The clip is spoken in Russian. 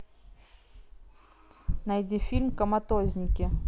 найди фильм коматозники